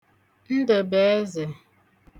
Ndə̣̀bụezè